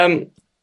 yym